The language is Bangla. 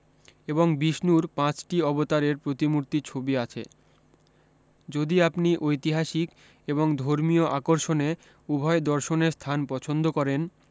এবং বিষণুর পাঁচটি অবতারের প্রতিমূর্তি ছবি আছে যদি আপনি ঐতিহাসিক এবং ধর্মীয় আকর্ষণে উভয় দর্শনের স্থান পছন্দ করেন